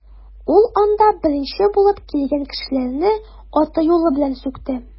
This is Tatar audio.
Ул анда беренче булып килгән кешеләрне аты-юлы белән сүкте.